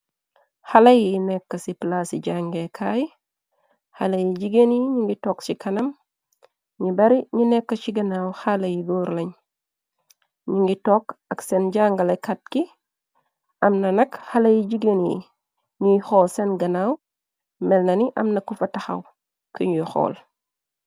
Xale yi nekk ci palaa ci jangeekaay xalé yi jigeen yi ñi ngi tokk ci kanam ñi bari ñi nekk ci ganaaw xale yi dóor lañ ñi ngi tokk ak seen jangalekat ki am na nak xalé yi jigeen yi ñuy xool seen ganaaw melna ni amna ku fa taxaw kiñuy xool.